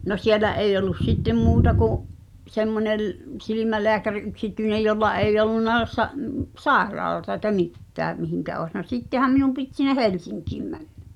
no siellä ei ollut sitten muuta kuin semmoinen silmälääkäri yksityinen jolla ei ollut -- sairaalaa eikä mitään mihin olisi no sittenhän minun piti sinne Helsinkiin mennä